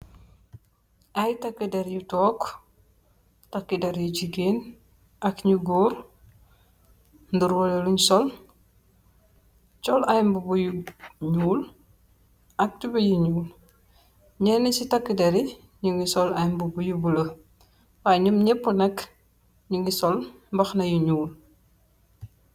Ay takeder yu toog, takeder yu jigeen ak nyu goor, nirole lunj sol, col ay mbubu yu nyuul, ak tubay yu nyuul, nyenne si takeder nyi ngi sol ay mbubu yu bula, way nyom nyepu nak nye ngi sol baxana yu nyuul.